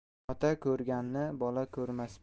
ota ko'rganni bola ko'rmas